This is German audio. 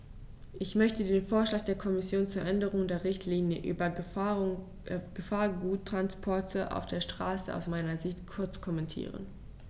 Ich möchte den Vorschlag der Kommission zur Änderung der Richtlinie über Gefahrguttransporte auf der Straße aus meiner Sicht kurz kommentieren.